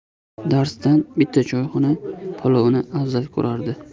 o'nta darsdan bitta choyxona palovni afzal ko'rardi